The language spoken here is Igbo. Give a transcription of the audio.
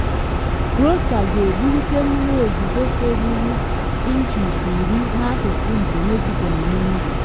Rosa ga-ebulite mmiri ozizo toruru 10 inchis n’akụkụ nke Mexico na Mọnde.